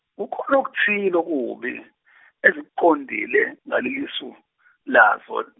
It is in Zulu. kukhona okuthile okubi, ezikuqondile ngalelisu lazo.